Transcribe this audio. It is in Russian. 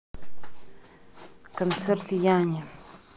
концерт яни